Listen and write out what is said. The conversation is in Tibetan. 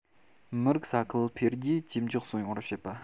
མི རིགས ས ཁུལ འཕེལ རྒྱས མགྱོགས སུ ཡོང བ བྱེད པ